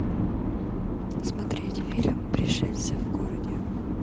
смотреть фильм пришельцы в городе